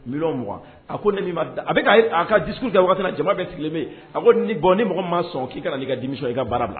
Bi a ko a bɛka a ka di kɛ waati jama bɛɛ sigilen min a ko ni bɔn ni mɔgɔ ma sɔn k'i ka' i ka dimi sɔn i ka baara la